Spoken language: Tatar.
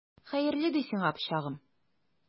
Хәерле ди сиңа, пычагым!